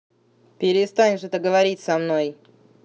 перестань же так говорить со мной